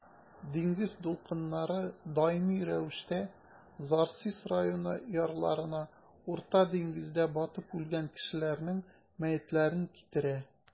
Диңгез дулкыннары даими рәвештә Зарзис районы ярларына Урта диңгездә батып үлгән кешеләрнең мәетләрен китерә.